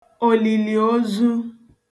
òlìlìozu